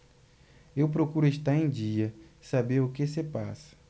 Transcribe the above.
eu procuro estar em dia saber o que se passa